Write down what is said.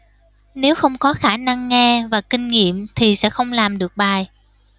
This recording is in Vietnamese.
nếu không có khả năng nghe và kinh nghiệm thì sẽ không làm được bài